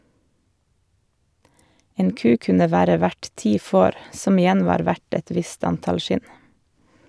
En ku kunne være verd ti får , som igjen var verdt et visst antall skinn.